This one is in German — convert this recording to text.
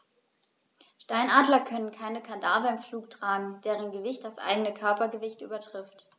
Steinadler können keine Kadaver im Flug tragen, deren Gewicht das eigene Körpergewicht übertrifft.